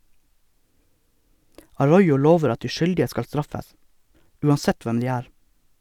Arroyo lover at de skyldige skal straffes, uansett hvem de er.